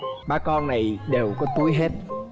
ba con này đều có túi hết